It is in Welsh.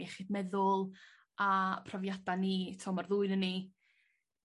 iechyd meddwl a profiada ni t'o' ma'r ddwy 'non ni